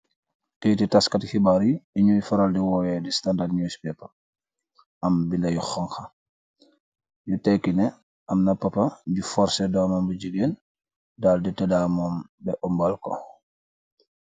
keyti taskati xibaar yi yiñuy faral di wooye "The standard news paper",am binda yu xonxa, yu tekki ne am na papa ju forse doomam bu jigeen dal di tëdak mom be ombal ko.